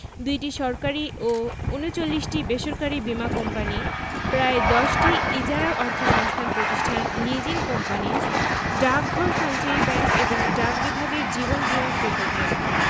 ২টি সরকারি ও ৩৯টি বেসরকারি বীমা কোম্পানি প্রায় ১০টি ইজারা অর্থসংস্থান প্রতিষ্ঠান লিজিং কোম্পানিস ডাকঘর সঞ্চয়ী ব্যাংক এবং ডাক বিভাগের জীবন বীমা প্রকল্প